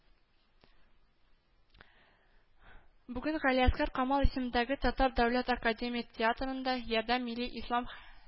Бүген Галиәсгар Камал исемендәге Татар дәүләт академия театрында “Ярдәм” милли ислам